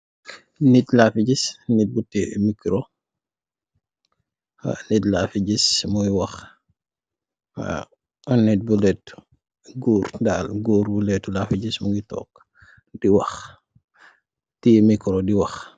Neet lafe giss neet bu teye mekuro ha neet lafe giss moye wah waw neet bu leetu goor dal goor bu leetu lafe giss muge tonke de wah teye mekuro de wah.